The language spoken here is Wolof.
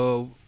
waaw